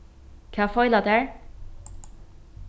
hvat feilar tær